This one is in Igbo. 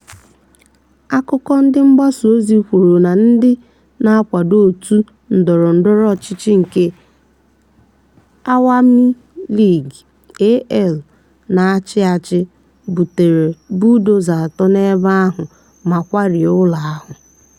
Akụkọ ndị mgbasa ozi kwuru na ndị na-akwado òtù ndọrọ ndọrọ ọchịchị nke Awami League (AL) na-achị achị butere budoza atọ n'ebe ahụ ma kwarie ụlọ ahụ.